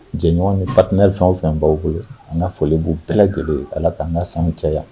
Jɛɲɔgɔn ni fat fɛnw fɛn baw bolo an ka foli b bɛɛ lajɛlen ala k'an ka sanu cayaya